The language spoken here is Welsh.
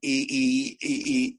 i i i i